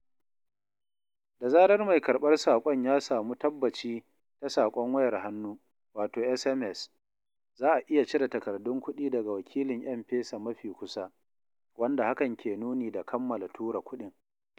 Da zarar mai karɓar saƙon ya samu tabbaci ta saƙon wayar hannu, wato SMS, za a iya cire takardun kuɗi daga wakilin M-PESA mafi kusa, wanda hakan ke nuni da kammala tura kuɗin.